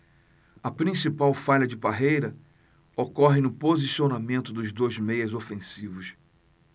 a principal falha de parreira ocorre no posicionamento dos dois meias ofensivos